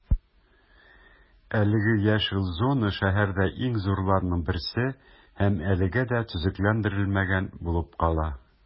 Әлеге яшел зона шәһәрдә иң зурларының берсе һәм әлегә дә төзекләндерелмәгән булып кала.